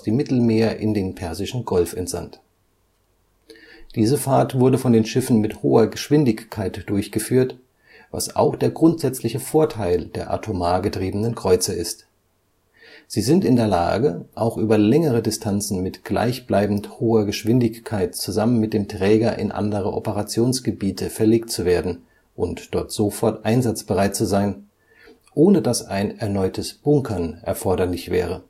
Mittelmeer in den persischen Golf entsandt. Diese Fahrt wurde von den Schiffen mit hoher Geschwindigkeit durchgeführt, was auch der grundsätzliche Vorteil der atomar getriebenen Kreuzer ist: Sie sind in der Lage, auch über längere Distanzen mit gleich bleibend hoher Geschwindigkeit zusammen mit dem Träger in andere Operationsgebiete verlegt zu werden und dort sofort einsatzbereit zu sein, ohne dass ein erneutes Bunkern erforderlich wäre